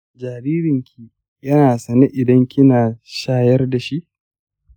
jaririnki yana sane idan kina shayar dashi?